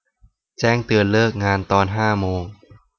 แจ้งเตือนเลิกงานตอนห้าโมง